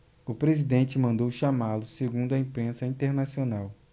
o presidente mandou chamá-lo segundo a imprensa internacional